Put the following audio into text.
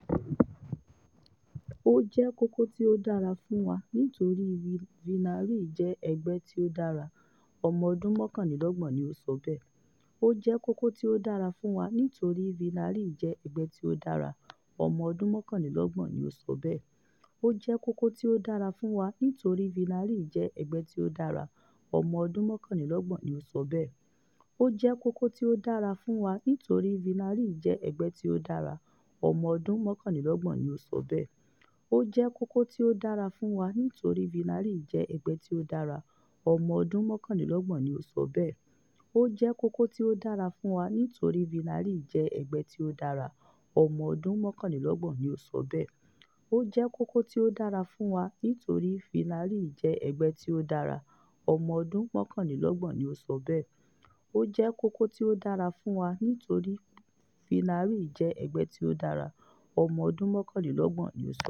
"Ó jẹ́ kókó tí ó dára fún wa nítorí Villarreal jẹ́ ẹgbẹ́ tí ó dára," ọmọdún 31 ni ó sọ bẹ́ẹ̀.